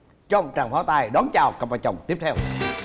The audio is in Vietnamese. cho một tràng pháo tay đón chào cặp vợ chồng tiếp theo